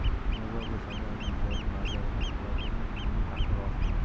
filologiya fanlari nomzodi nazira toshpo'latovaning umumiy tahriri ostida